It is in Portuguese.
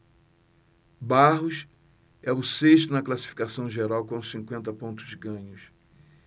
barros é o sexto na classificação geral com cinquenta pontos ganhos